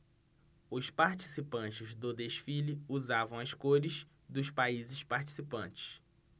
os participantes do desfile usavam as cores dos países participantes